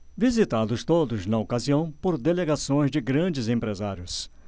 visitados todos na ocasião por delegações de grandes empresários